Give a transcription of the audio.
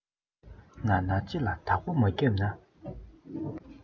ནར ནར ལྕེ ལ བདག པོ མ བརྒྱབ ན